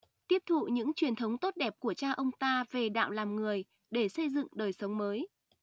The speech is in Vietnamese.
tiếp thụ những truyền thống tốt đẹp của cha ông ta về đạo làm người để xây dựng đời sống mới